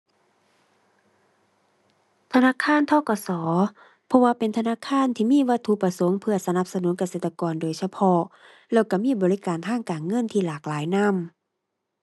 ธนาคาร ธ.ก.ส. เพราะว่าเป็นธนาคารที่มีวัตถุประสงค์เพื่อสนับสนุนเกษตรกรโดยเฉพาะ แล้วก็มีบริการทางการเงินที่หลากหลายนำ